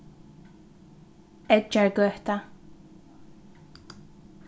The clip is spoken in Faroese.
eggjargøta